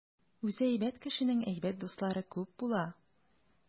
Үзе әйбәт кешенең әйбәт дуслары күп була.